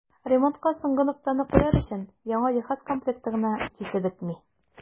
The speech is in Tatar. Ремонтка соңгы ноктаны куяр өчен яңа җиһаз комплекты гына җитеп бетми.